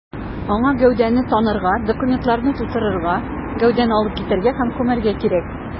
Аңа гәүдәне танырга, документларны турырга, гәүдәне алып китәргә һәм күмәргә кирәк.